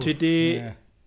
Ti 'di...